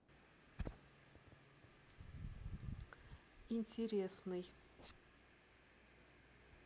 интересный